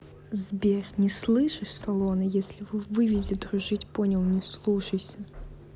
сбер не слышишь салона если вы выведи дружить понял не слушайся